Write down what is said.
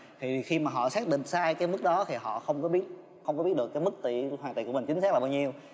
thì khi mà họ xác định sai cái mức đó thì họ không có biết không có biết được mức tiền hoàn tiền của mình chính xác là bao nhiêu